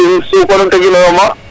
o kiin Supa nu teginooyo ma,